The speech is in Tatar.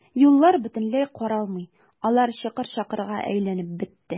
Юллар бөтенләй каралмый, алар чокыр-чакырга әйләнеп бетте.